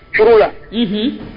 Tɔɔrɔ la hhun